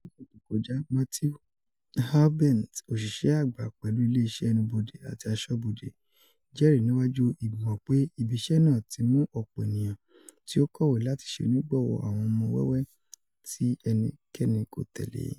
Lọsẹ to kọja, Matthew Albence, oṣiṣẹ agba pẹlu ile iṣẹ Ẹnubode ati Aṣọbode, jẹri niwaju Igbimọ pe ibiṣẹ naa ti mu ọpọ eniyan ti o kọwe lati ṣe onigbọwọ awọn ọmọ wẹwẹ ti ẹnikẹni ko tẹle.